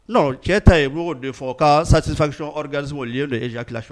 Cɛ ta yen bo de fɔ ka sasifasiɔri gansolilen don e kifɛ